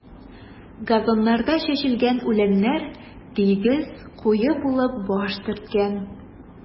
Газоннарда чәчелгән үләннәр тигез, куе булып баш төрткән.